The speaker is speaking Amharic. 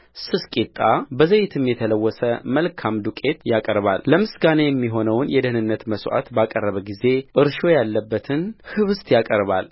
ስስ ቂጣ በዘይትም የተለወሰ መልካም ዱቄት ያቀርባልለምስጋና የሚሆነውን የደኅንነት መሥዋዕት ባቀረበ ጊዜ እርሾ ያለበትን ኅብስት ያቀርባል